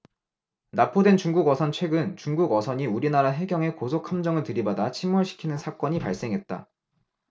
나포된 중국어선 최근 중국 어선이 우리나라 해경의 고속함정을 들이받아 침몰시키는 사건이 발생했다